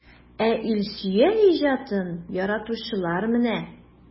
Ә Илсөя иҗатын яратучылар менә!